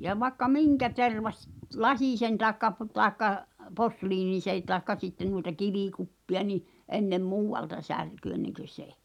ja vaikka minkä tervasi lasisen tai - tai posliiniseen tai sitten noita kivikuppeja niin ennen muualta särkyi ennen kuin se